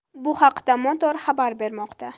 bu haqda motor xabar bermoqda